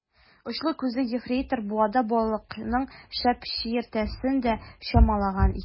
Очлы күзле ефрейтор буада балыкның шәп чиертәсен дә чамалаган икән.